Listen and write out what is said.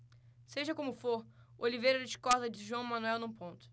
seja como for oliveira discorda de joão manuel num ponto